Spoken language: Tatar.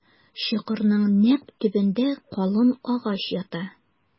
Чокырның нәкъ төбендә калын агач ята.